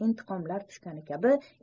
intiqomlar tushgani kabi